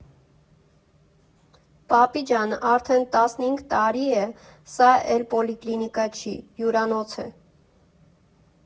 ֊ Պապի ջան, արդեն տասնհինգ տարի է՝ սա էլ պոլիկլինիկա չի, հյուրանոց է։